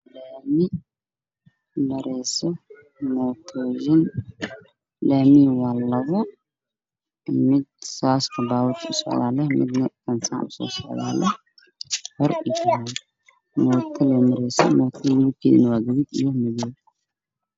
Waa waddo laami waxaa maraayo mootooyin mootooyinka midabkooda waa guduud